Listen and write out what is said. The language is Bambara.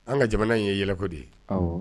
An ka jamana in ye yɛlɛko de ye